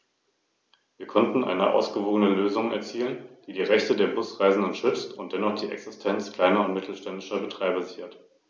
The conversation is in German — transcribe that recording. Allem voran sollte das neue System der wissenschaftlichen Forschung und der Innovation zu einem Impuls verhelfen.